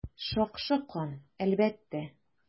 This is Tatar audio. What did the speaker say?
Шакшы кан, әлбәттә.